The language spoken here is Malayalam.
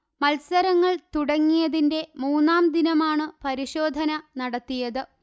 മത്സരങ്ങൾ തുടങ്ങിയതിന്റെ മൂന്നാം ദിനമാണു പരിശോധന നടത്തിയത്